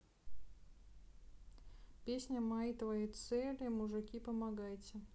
песня мои твои цели мужики помогайте